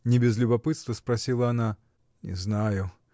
— не без любопытства спросила она. — Не знаю.